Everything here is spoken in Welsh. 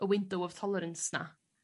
y window of tolerance 'na